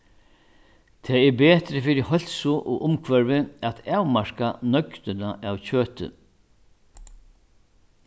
tað er betri fyri heilsu og umhvørvi at avmarka nøgdina av kjøti